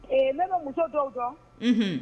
Ee ne bɛ muso dɔw dɔn